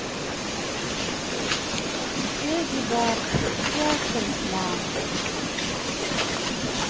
леди баг я талисман